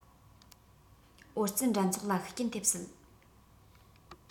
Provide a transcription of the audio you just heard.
ཨོ རྩལ འགྲན ཚོགས ལ ཤུགས རྐྱེན ཐེབས སྲིད